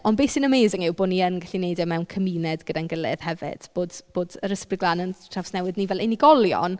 Ond be sy'n amazing yw bo' ni yn gallu wneud e mewn cymuned gyda'n gilydd hefyd, bod bod yr Ysbryd Glân yn trawsnewid ni fel unigolion